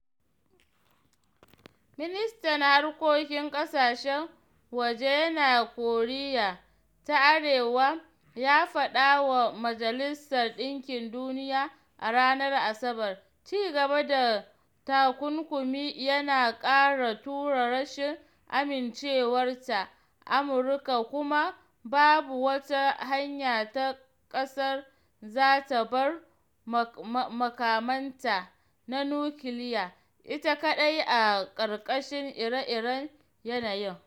Ministan Harkokin Ƙasashen Waje na Koriya ta Arewa ya faɗa wa Majalisar Ɗinkin Duniya a ranar Asabar ci gaba da takunkumi yana ƙara tura rashin amincewarta da Amurka kuma babu wata hanya da ƙasar za ta bar makamanta na nukiliya ita kaɗai a ƙarƙashin ire-iren yanayin.